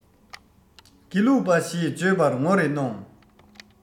དགེ ལུགས པ ཞེས བརྗོད པར ངོ རེ གནོང